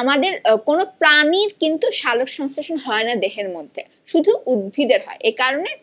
আমাদের কোন প্রাণীর কিন্তু সালোকসংশ্লেষণ হয় না দেহের মধ্যে শুধু উদ্ভিদের হয় এ কারণে